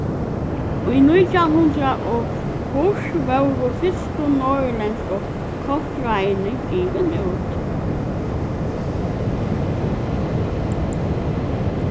í nítjan hundrað og fýrs vórðu fyrstu norðurlendsku kostráðini givin út